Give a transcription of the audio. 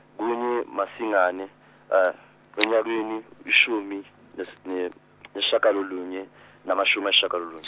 kunye Masingane , onyakweni ishumi nes- ne- nesishagalolunye namashumi shagalolunye.